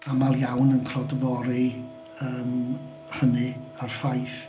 Aml iawn yn clodfori yym hynny a'r ffaith...